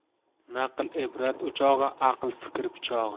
naql ibrat o'chog'i aql fikr pichog'i